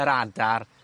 yr adar,